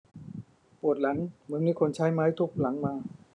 ปวดหลังเหมือนมีคนใช้ไม้ทุบหลังมา